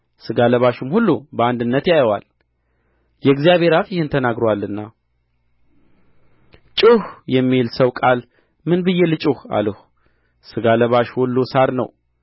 ሥጋ ለባሹም ሁሉ በአንድነት ያየዋል የእግዚአብሔር አፍ ይህን ተናግሮአልና ጩኽ የሚል ሰው ቃል ምን ብዬ ልጩኽ አልሁ ሥጋ ለባሽ ሁሉ ሣር ነው